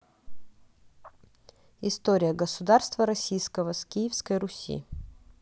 история государства российского с киевской руси